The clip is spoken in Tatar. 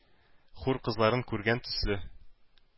Хур кызларын күргән төсле,